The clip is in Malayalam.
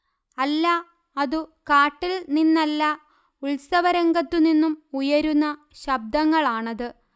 അല്ല അതു കാട്ടിൽ നിന്നല്ല ഉൽസവരംഗത്തുനിന്നും ഉയരുന്ന ശബ്ദങ്ങളാണത്